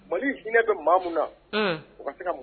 Mali hinɛ bɛ mɔgɔ mun na u ka se ka